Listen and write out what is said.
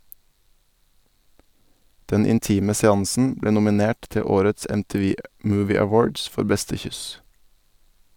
Den intime seansen ble nominert til årets MTV Movie Awards for beste kyss.